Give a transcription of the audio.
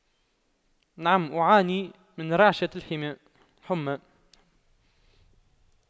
نعم أعاني من رعشة الحمى حمى